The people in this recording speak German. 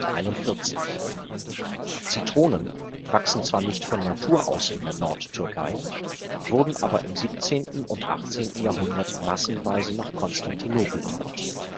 1741. Zitronen wachsen zwar nicht von Natur aus in der Nordtürkei, wurden aber im 17. und 18. Jahrhundert massenweise nach Konstantinopel importiert